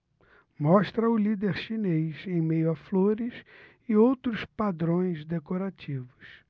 mostra o líder chinês em meio a flores e outros padrões decorativos